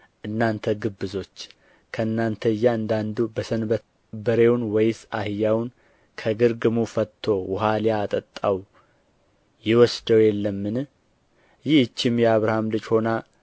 እናንተ ግብዞች ከእናንተ እያንዳንዱ በሰንበት በሬውን ወይስ አህያውን ከግርግሙ ፈትቶ ውኃ ሊያጠጣው ይወስደው የለምን ይህችም የአብርሃም ልጅ ሆና